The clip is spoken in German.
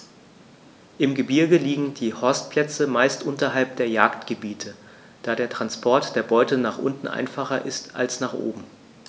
Im Gebirge liegen die Horstplätze meist unterhalb der Jagdgebiete, da der Transport der Beute nach unten einfacher ist als nach oben.